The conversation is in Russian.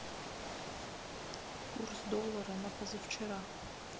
курс доллара на позавчера